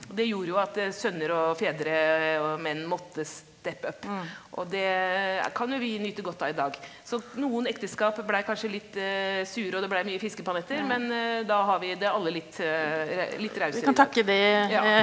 og det gjorde jo at sønner og fedre og menn måtte , og det kan jo vi nyte godt av i dag, så noen ekteskap blei kanskje litt sure, og det blei mye fiskepanetter, men da har vi det alle litt litt rausere ja.